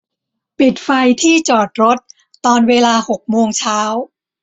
ปิดไฟที่จอดรถตอนเวลาหกโมงเช้า